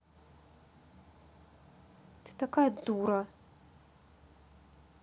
ты такая дура